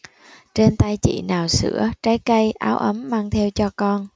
trên tay chị nào sữa trái cây áo ấm mang theo cho con